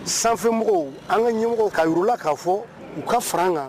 Sanmɔgɔw an ka ɲɛmɔgɔ kala k'a fɔ u ka fara an kan